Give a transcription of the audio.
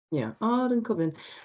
Ia, o dwi'n cofio hyn.